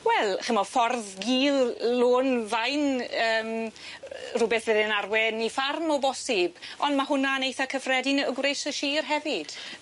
Wel ch'mo' ffordd gul lôn fain yym yy rwbeth fydde'n arwen i ffarm o bosib on' ma' hwnna'n eitha cyffredin yy o groes y shir hefyd.